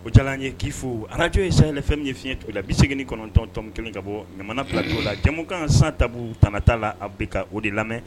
O jala ye k'ifu arajo ye sayaylɛ fɛn min ye fiɲɛɲɛ tuguni la bise ni kɔnɔntɔntɔnm kelen ka bɔ jamanamana bilacogoo la jamukan san ta ta ttaa la a bɛ ka o de lamɛn